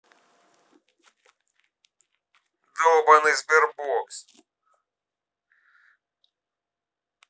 долбаный sberbox